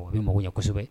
O bɛ mɔgɔw ɲɛsɛbɛ